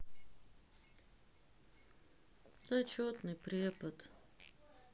зачетный препод